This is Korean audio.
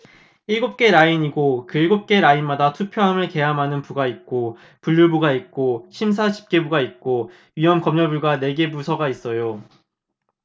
일곱 개 라인이고 그 일곱 개 라인마다 투표함을 개함하는 부가 있고 분류부가 있고 심사집계부가 있고 위원검열부가 네 개 부서가 있어요